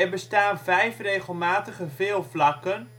bestaan vijf regelmatige veelvlakken